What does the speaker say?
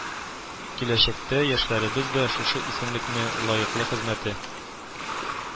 Киләчәктә яшьләребез дә шушы исемлекне лаеклы хезмәте